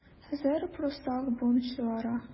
Хәзер пруссак бунт чыгара.